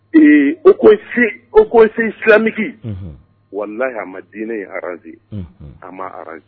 Ee o kosi o kosi silamɛmki wala a ma dinɛ ye ranze a ma ranze